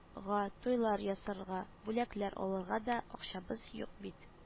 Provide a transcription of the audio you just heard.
Га, туйлар ясарга, бүләкләр алырга да акчабыз юк бит